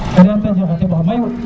o nan teen na xa teƥ xa mayu